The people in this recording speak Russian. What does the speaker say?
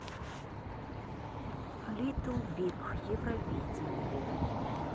литл биг евровидение